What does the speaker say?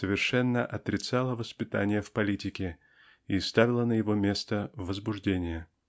совершенно отрицала воспитание в политике и ставила на его место возбуждение.